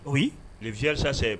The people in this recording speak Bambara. Oui, le ça c'est